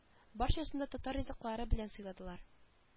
Барчасын да татар ризыклары белән сыйладылар